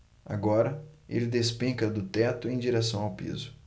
agora ele despenca do teto em direção ao piso